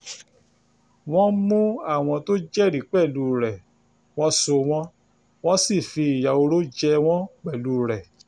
Wọ́n mú àwọn tó jẹ́rìí pẹ̀lú rẹ̀, wọ́n so wọ́n, wọ́n sì fi ìyà oró jẹ wọ́n pẹ̀lú rẹ̀.